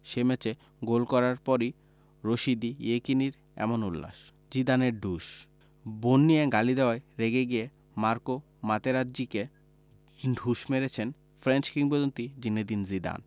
সে ম্যাচে গোল করার পরই রশিদী ইয়েকিনির এমন উল্লাস জিদানের ঢুস বোন নিয়ে গালি দেওয়ায় রেগে গিয়ে মার্কো মাতেরাজ্জিকে ঢুস মেরেছেন ফ্রেঞ্চ কিংবদন্তি জিনেদিন জিদান